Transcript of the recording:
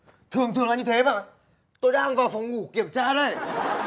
thường thường là như thế mà tôi đang vào phòng ngủ kiểm tra đây này